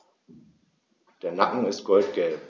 Der Nacken ist goldgelb.